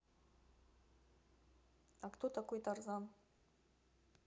а кто такой тарзан